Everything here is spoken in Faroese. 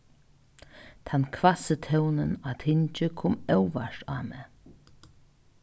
tann hvassi tónin á tingi kom óvart á meg